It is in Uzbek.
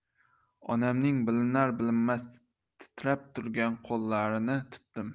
onamning bilinar bilinmas titrab turgan qo'llarini tutdim